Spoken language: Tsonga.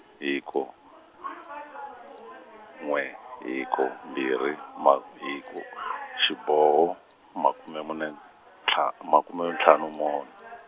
hiko , n'we hiko mbirhi ma-, hiko xiboho makume mune ntlha- makume ntlhanu mun-.